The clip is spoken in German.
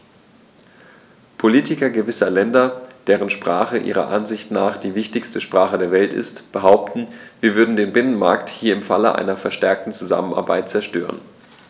Politiker gewisser Länder, deren Sprache ihrer Ansicht nach die wichtigste Sprache der Welt ist, behaupten, wir würden den Binnenmarkt hier im Falle einer verstärkten Zusammenarbeit zerstören.